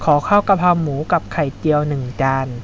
ขอข้าวกะเพราหมูสับไม่ใส่พริกหนึ่งจาน